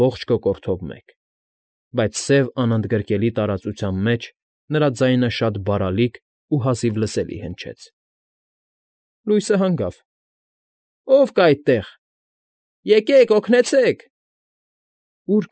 Ողջ կոկորդով մեկ, բայց սև անընդգրկելի տարածության մեջ նրա ձայնը շատ բարալիկ ու հազիվ լսելի հնչեց։֊ Լույսը հանգավ… Ո՞վ կա այդտեղ… Եկե՜ք, օգնեցե՜ք… Ո՞ւր։